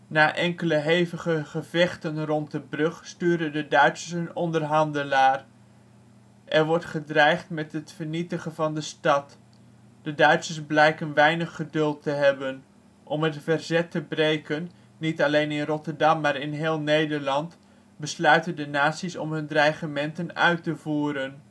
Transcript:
Na enkele hevige gevechten rond de brug sturen de Duitsers een onderhandelaar. Er wordt gedreigd met de vernietiging van de stad. De Duitsers blijken weinig geduld te hebben: om het verzet te breken, niet alleen in Rotterdam maar in heel Nederland, besluiten de nazi 's om hun dreigement uit te voeren